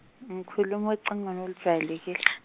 ngikhuluma ocingweni olujwayelekile.